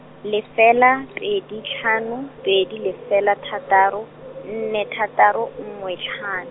lefela pedi tlhano pedi lefela thataro, nne thataro nngwe tlhan-.